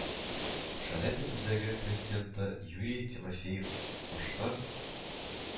Шаляпин үзәге президенты Юрий Тимофеев, башка